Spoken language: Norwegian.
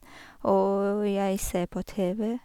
Og jeg se på TV.